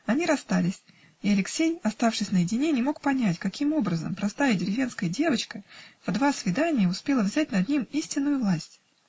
Они расстались, и Алексей, оставшись наедине, не мог понять, каким образом простая деревенская девочка в два свидания успела взять над ним истинную власть.